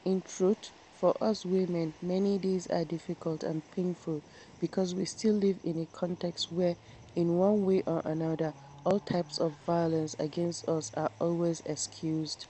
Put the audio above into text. In truth, for us women, many days are difficult and painful because we still live in a context where, in one way or another, all types of violence against us are always excused.